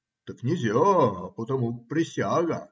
Так нельзя, потому - присяга.